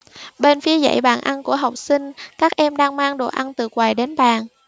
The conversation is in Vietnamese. bên phía dãy bàn ăn của học sinh các em đang mang đồ ăn từ quầy đến bàn